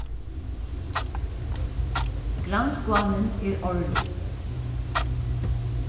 grannskoðanin er árlig